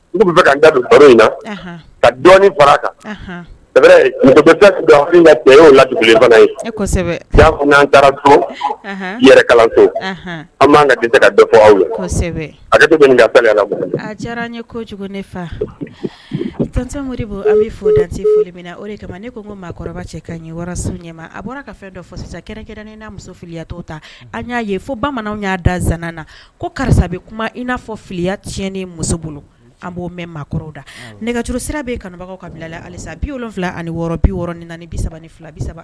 Da in na ka kan la diyara n ye ko ne fa tanmo an foyi na o de kama ne ko ma maakɔrɔbaba cɛ ka ɲɛso ɲɛmaa a bɔra ka fɛn dɔ fo sisan kɛrɛnkɛrɛn ne na muso filiyatɔ ta an y'a ye fo bamananw y'a da zan na ko karisa bɛ kuma i n'a fɔ filiya tiɲɛn ni muso bolo an b'o mɛn maakɔrɔw da nɛgɛuru sira bɛ kanubagaw ka bilala alisa bi wolonwula ani wɔɔrɔ bi wɔɔrɔ ni ni bi ni bisa